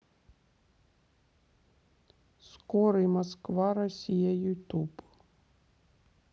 скорый москва россия ютуб